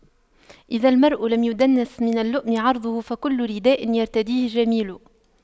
إذا المرء لم يدنس من اللؤم عرضه فكل رداء يرتديه جميل